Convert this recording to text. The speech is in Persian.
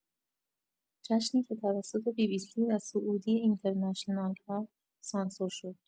جشنی که توسط بی‌بی‌سی و سعودی اینترنشنال‌ها سانسور شد.